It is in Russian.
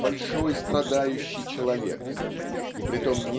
большой страдающий человек и притом